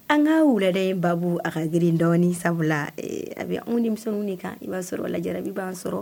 An ka yɛrɛ de baabu a ka grin dɔɔnin sabula a bɛ anw denmisɛnww kan i b'a sɔrɔ i b'an sɔrɔ